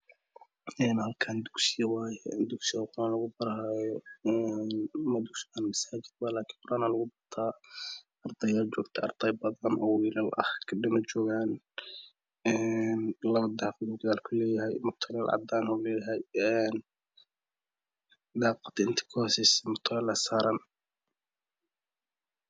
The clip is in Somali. Halkaan dugsi waye dugsi oo quraan lgu baranyo masaajid waye lkn quranaa lgu bartaa arda badana jogto oo wiilal ah gabdho majogaan lapa daqaduu gadaal ku keeyahy mutulel wuu leeyahay daaqada inta ka hiiseesna mutuleel aa saran